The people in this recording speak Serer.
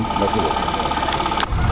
merci beaucoup